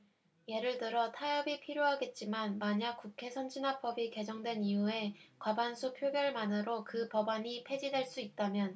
예를 들어 타협이 필요하겠지만 만약 국회선진화법이 개정된 이후에 과반수 표결만으로 그 법안이 폐지될 수 있다면